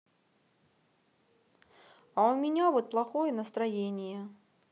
а у меня вот плохое настроение